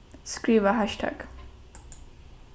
skriva hassjtagg